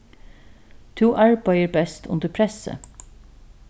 tú arbeiðir best undir pressi